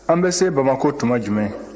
an bɛ se bamakɔ tuma jumɛn